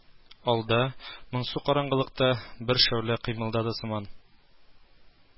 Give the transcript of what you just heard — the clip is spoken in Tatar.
Алда, моңсу караңгылыкта бер шәүлә кыймылдады сыман